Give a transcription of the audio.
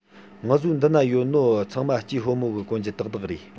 ངུ བཟོའི འདི ན ཡོད ནོ ཚང མ སྐྱེས ཧོ མོ གི གོན རྒྱུ དག དག རེད